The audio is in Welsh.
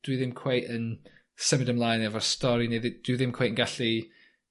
dwi ddim cweit yn symud ymlaen efo'r stori ne' dd- dwi ddim cweit yn gallu